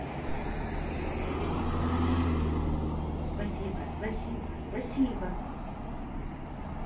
спасибо спасибо спасибо